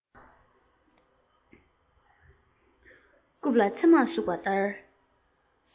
སེ པན བྱུགས པ ལྡར ཚ ཤུར ཤུར བྱེད